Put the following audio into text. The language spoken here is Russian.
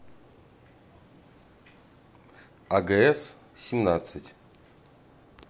агс семнадцать